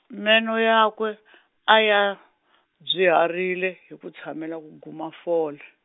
meno yakwe , a ya, dzwiharile hi ku tshamela ku guma fole.